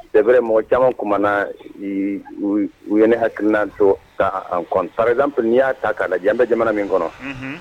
C'est vrai mɔgɔ caaman kumana ee u ye ne hakilinan to ta an compte . :Par exemple _ ni y'a ta ka lajɛ, an bɛ jamana min kɔnɔ Unhun.